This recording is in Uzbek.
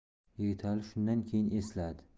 yigitali shundan keyin esladi